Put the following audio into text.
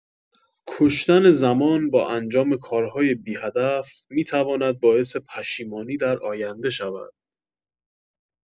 کشتن زمان با انجام کارهای بی‌هدف می‌تواند باعث پشیمانی در آینده شود.